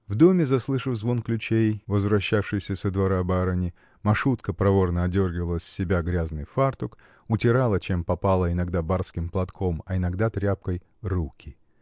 В доме, заслышав звон ключей возвращавшейся со двора барыни, Машутка проворно сдергивала с себя грязный фартук, утирала чем попало, иногда барским платком, а иногда тряпкой, руки.